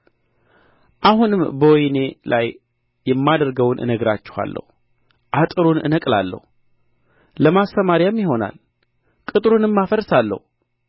አሁንም በወይኔ ላይ የማደርገውን እነግራችኋለሁ አጥሩን እነቅላለሁ ለማሰማርያም ይሆናል ቅጥሩንም አፈርሳለሁ